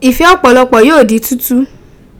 Ife opolopo yoo di tutu.